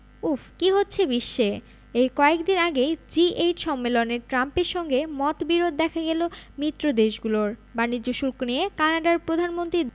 উফ্ কী হচ্ছে বিশ্বে এই কয়েক দিন আগেই জি এইট সম্মেলনে ট্রাম্পের সঙ্গে মতবিরোধ দেখা গেল মিত্রদেশগুলোর বাণিজ্য শুল্ক নিয়ে কানাডার প্রধানমন্ত্রী